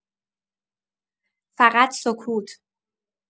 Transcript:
فقط سکوت.